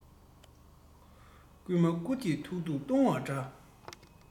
རྐུན མ རྐུ དུས ཐུག ཐུག རྡུང བ འདྲ